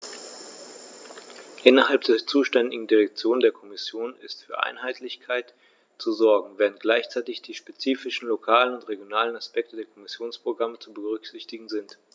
Innerhalb der zuständigen Direktion der Kommission ist für Einheitlichkeit zu sorgen, während gleichzeitig die spezifischen lokalen und regionalen Aspekte der Kommissionsprogramme zu berücksichtigen sind.